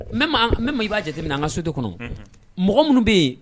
Même i b'a jateminɛ an ka société kɔnɔ, unhun, mɔgɔ minnu bɛ yen